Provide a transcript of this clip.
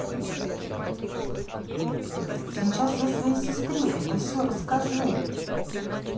сейчас я своей сестре это все расскажу